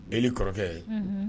E kɔrɔkɛ ye